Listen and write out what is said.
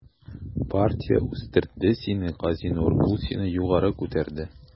Партия үстерде сине, Газинур, ул сине югары күтәрде.